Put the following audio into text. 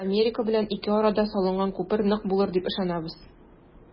Америка белән ике арада салынган күпер нык булыр дип ышанабыз.